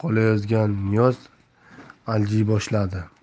qolayozgan niyoz aljiy boshladi